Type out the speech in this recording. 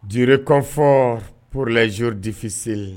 Ur kɔn fɔ pur lazodifisse